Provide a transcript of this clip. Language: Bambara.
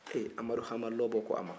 he amadu hama lɔbɔ ko a ma